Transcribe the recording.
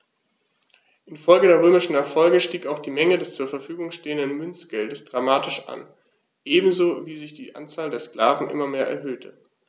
Infolge der römischen Erfolge stieg auch die Menge des zur Verfügung stehenden Münzgeldes dramatisch an, ebenso wie sich die Anzahl der Sklaven immer mehr erhöhte.